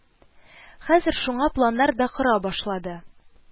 Хәзер шуңа планнар да кора башлады